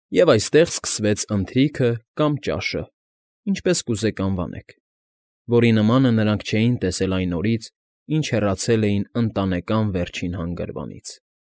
Եվ այստեղ սկսվեց ընթրիքը կամ ճաշը (ինչպես կուզեք անվանեք), որի նմանը նրանք չէին տեսել այն օրից, ինչ հեռացել էին «Ընտանեկան Վերջին Հանգրվանից»։